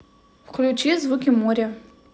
включи звуки моря